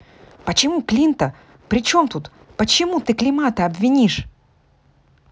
почему clean то причем тут почему ты климата обвинишь